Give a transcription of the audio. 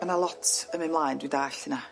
Ma' na lot yn myn' mlaen dwi'n dallt hynna.